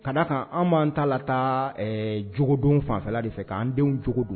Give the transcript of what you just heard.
Ka da kan an b'an ta taa jdon fanfɛla de fɛ k'an denw cogo don